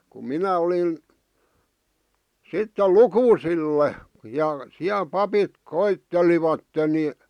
kun minä olin sitten lukusille ja siellä papit koettelivat niin